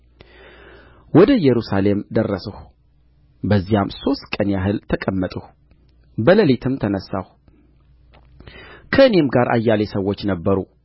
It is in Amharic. ወደ ኢየሩሳሌምም ደረስሁ በዚያም ሦስት ቀን ያህል ተቀመጥሁ በሌሊትም ተነሣሁ ከእኔም ጋር አያሌ ሰዎች ነበሩ